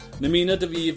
Yn ymuno 'da fi...